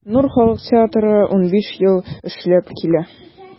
“нур” халык театры 15 ел эшләп килә.